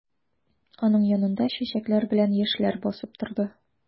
Аның янында чәчәкләр белән яшьләр басып торды.